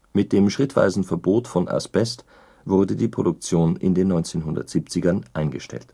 Mit dem schrittweisen Verbot von Asbest wurde die Produktion in den 1970ern eingestellt